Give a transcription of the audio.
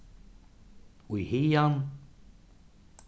í hagan